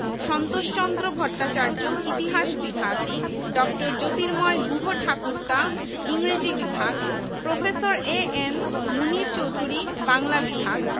দেশ বিভাগের পর ঢাকা বিশ্ববিদ্যালয়কে পূর্ববাংলার মাধ্যমিক স্তরের ঊধ্বর্তন সকল শিক্ষা প্রতিষ্ঠানের ওপর কর্তৃত্ব গ্রহণ করতে হয়